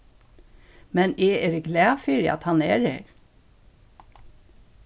men eg eri glað fyri at hann er her